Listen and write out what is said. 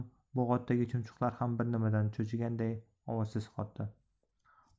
bo'g'otdagi chumchuqlar ham bir nimadan cho'chiganday ovozsiz qotdi